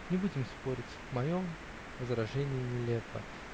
Не будем спорить; мое возражение нелепо.